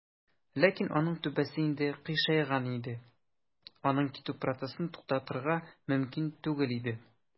Ләкин аның түбәсе инде "кыйшайган" иде, аның китү процессын туктатырга мөмкин түгел иде.